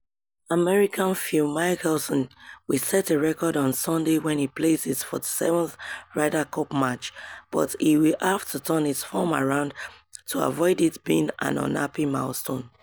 American Phil Mickelson will set a record on Sunday when he plays his 47th Ryder Cup match, but he will have to turn his form around to avoid it being an unhappy milestone.